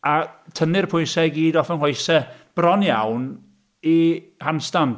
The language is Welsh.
a tynnu'r pwysau i gyd off fy nghoesau, bron iawn i handstand.